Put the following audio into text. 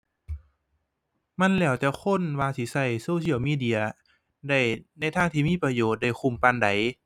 มันแล้วแต่คนว่าสิใช้ social media ได้ในทางที่มีประโยชน์ ได้คุ้มปานใด